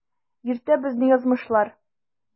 Йөртә безне язмышлар.